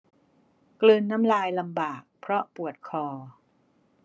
กลืนน้ำลายลำบากเพราะปวดคอ